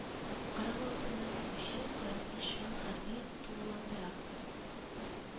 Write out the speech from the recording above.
Кырык алты мең укучы, кырык биш мең хәрби тулыландыра